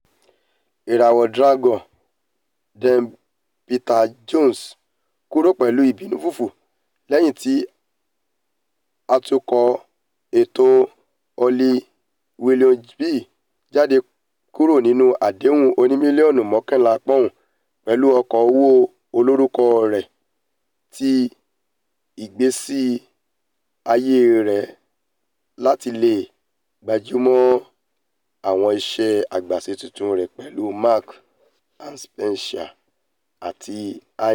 Ìràwọ̀ Dragons Den Peter Jones kúrò pẹ̀lú 'ìbínú fùfù' lẹ́yìn tí atọ́kùn ètò Holly Willoughby jáde kúrò nínú àdéhùn oní-mílíọ̀nù mọ́kànlà pọ́ùn pẹ̀lú oko-òwò olorúkọ rẹ̀ ti ìgbésí-ayé rẹ̀ láti leè gbájúmọ́ àwọn iṣẹ́ àgbàṣe tuntun rẹ̀ pẹ̀lú Marks and Spencer àti ITV